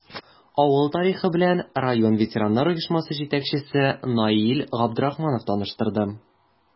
Авыл тарихы белән район ветераннар оешмасы җитәкчесе Наил Габдрахманов таныштырды.